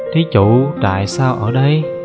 thí chủ tại sao ở đây